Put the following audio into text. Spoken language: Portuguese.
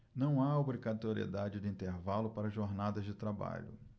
não há obrigatoriedade de intervalo para jornadas de trabalho